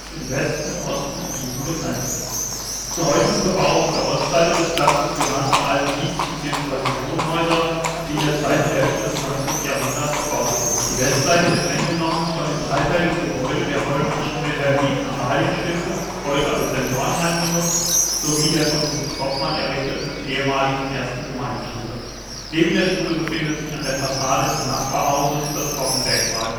heutigen Bebauung der Ostseite des Platzes gehören vor allem Miets - bzw. Wohnhäuser, die in der zweiten Hälfte des 19. Jahrhunderts erbaut wurden. Die Westseite wird eingenommen von dem dreiteiligen Gebäude der Hollmannschen Wilhelminen-Amalien-Stiftung, heute als Seniorenheim genutzt, sowie der von Ludwig Hoffmann errichteten ehemaligen 1. Gemeindeschule. Neben der Schule befindet sich an der Fassade des Nachbarhauses das Koppendenkmal